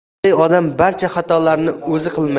aqlli odam barcha xatolarni o'zi